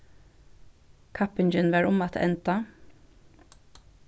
kappingin var um at enda